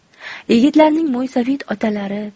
yigitlarning mo'ysafid otalari